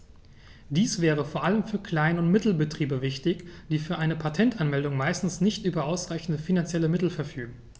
Dies wäre vor allem für Klein- und Mittelbetriebe wichtig, die für eine Patentanmeldung meistens nicht über ausreichende finanzielle Mittel verfügen.